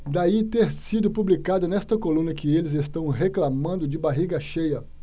daí ter sido publicado nesta coluna que eles reclamando de barriga cheia